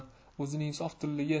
o'zining sofdilligi